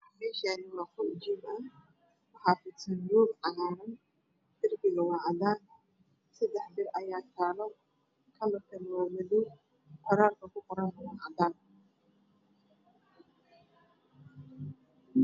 Meeshaani waa qol jiim ah waxaa fidsan roog cagaaran darbiga waa cadaan seddex bir ayaa taala kalarkana waa madoow qoraalka ku qorana waa cadaan